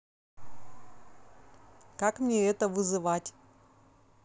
как мне это вызывать